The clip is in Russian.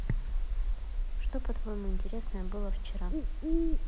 что по твоему интересное было вчера